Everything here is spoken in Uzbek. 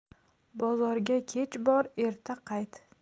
bozorga kech bor erta qayt